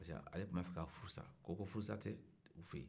parce que ale tun b'a fɛ ka furusa ko furusa tɛ u fɛ yen